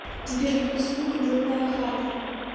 сберзвук блатная хата